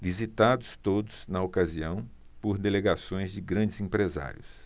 visitados todos na ocasião por delegações de grandes empresários